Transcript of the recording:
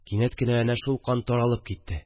Кинәт кенә әнә шул кан таралып китте